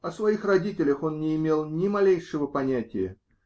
О своих родителях он не имел ни малейшего понятия.